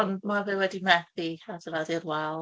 Ond ma' fe wedi methu adeiladu'r wal.